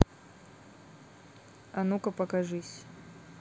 а ну ка покажись